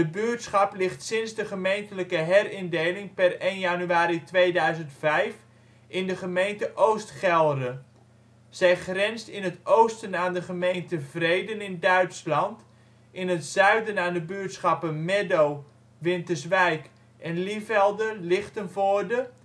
buurtschap ligt sinds de gemeentelijke herindeling per 1 januari 2005 in de gemeente Oost Gelre. Zij grenst in het oosten aan de gemeente Vreden in Duitsland, in het zuiden aan de buurtschappen Meddo (Winterswijk) en Lievelde (Lichtenvoorde